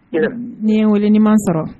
Ayiwa ne weleinman sɔrɔ